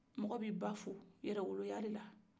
mɔgɔ b'i ba fo yɛrɛwoloya de la